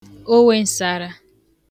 owe ǹsara